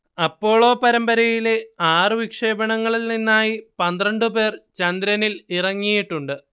Apollo പരമ്പരയിലെ ആറ് വിക്ഷേപണങ്ങളിൽ നിന്നായി പന്ത്രണ്ട് പേർ ചന്ദ്രനിൽ ഇറങ്ങിയിട്ടുണ്ട്